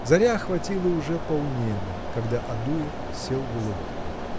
Заря охватила уже полнеба, когда Адуев сел в лодку.